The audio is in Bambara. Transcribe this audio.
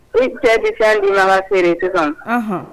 I cɛ bi ka di ala feereere sisan